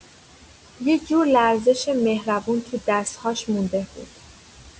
یه جور لرزش مهربون تو دست‌هاش مونده بود.